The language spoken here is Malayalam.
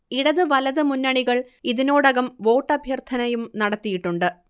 ഇടത് വലത് മുന്നണികൾ ഇതിനോടകം വോട്ടഭ്യർത്ഥനയും നടത്തിയിട്ടുണ്ട്